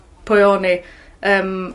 pwy o'n i. Yym.